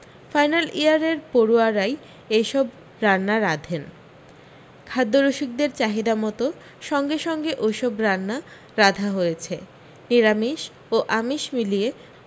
final ইয়ারের পড়ুয়ারাই এই সব রান্না রাঁধেন খাদ্যরসিকদের চাহিদা মতো সঙ্গে সঙ্গে ওই সব রান্না রাঁধা হয়েছে নিরামিষ ও আমিষ মিলিয়ে